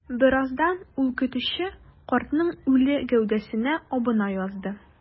Бераздан ул көтүче картның үле гәүдәсенә абына язды.